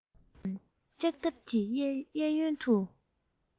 མི རྣམས ལྕགས ཐབ ཀྱི གཡས གཡོན དུ